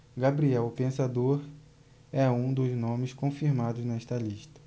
gabriel o pensador é um dos nomes confirmados nesta lista